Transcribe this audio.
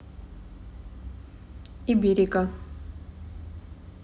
iberica